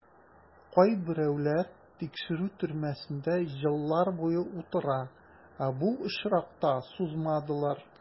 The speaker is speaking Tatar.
Кайберәүләр тикшерү төрмәсендә еллар буе утыра, ә бу очракта сузмадылар.